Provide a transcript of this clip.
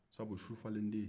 sabu sufalenden